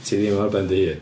Ti ddim ar ben dy hun.